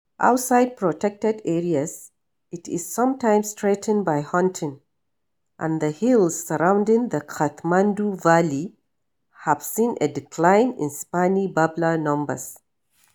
Outside protected areas, it is sometimes threatened by hunting, and the hills surrounding the Kathmandu Valley have seen a decline in Spiny Babbler numbers.